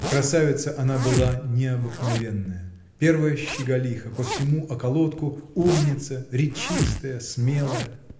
Красавица она была необыкновенная, первая щеголиха по всему околотку, умница, речистая, смелая.